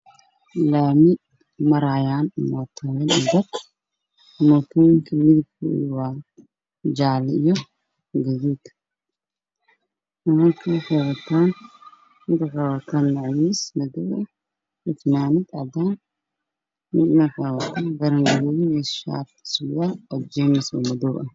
Waa laami ay maraayaan mootooyin iyo dad